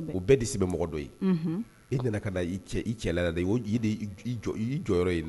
O bɛɛ de sebe mɔgɔ dɔ ye e nana ka na i cɛ i cɛ de ye o jɔyɔrɔ yɔrɔ in na